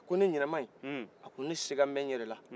a ko ne ŋina maye a ko ne sigan bɛ n yɛrɛla